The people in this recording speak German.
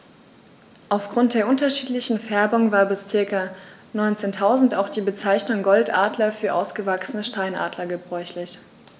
Auf Grund der unterschiedlichen Färbung war bis ca. 1900 auch die Bezeichnung Goldadler für ausgewachsene Steinadler gebräuchlich.